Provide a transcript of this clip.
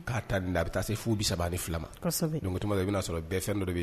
K'a ta di a bɛ taa se fu saba ni fila i bɛna'a sɔrɔ bɛɛ fɛn dɔ bɛ yen